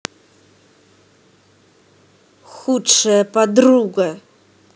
худшая подруга